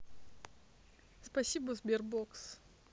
спасибо sberbox